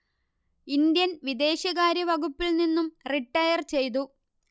Indian വിദേശകാര്യ വകുപ്പിൽ നിന്നും റിട്ടയർ ചെയ്തു